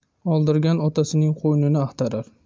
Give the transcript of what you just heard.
oldirgan otasining qo'ynini axtarar